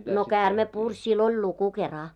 no käärme puri sillä oli luku kera